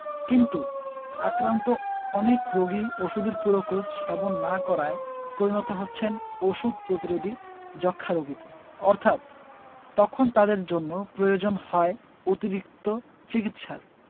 কিন্তু আক্রান্ত অনেক রোগী ওষুধের পুরো কোর্স সেবন না করায় পরিণত হচ্ছেন ওষুধ প্রতিরোধী যক্ষ্মা রোগীতে অর্থাৎ তখন তাদের জন্য প্রয়োজন হয় অতিরিক্ত চিকিৎসার